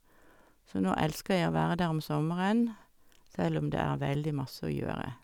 Så nå elsker jeg å være der om sommeren, selv om det er veldig masse å gjøre.